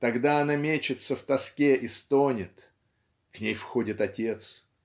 Тогда она мечется в тоске и стонет. К ней входит отец.